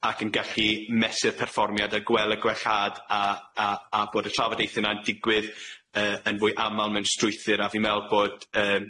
Ac yn gallu mesur perfformiad a gwel' y gwellhad a a a bod y trafodaethe na'n digwydd yy yn fwy amal mewn strwythur a fi'n me'wl bod yy.